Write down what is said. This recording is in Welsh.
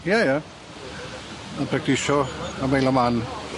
Ie ie. Yn practiso am Isle o Man.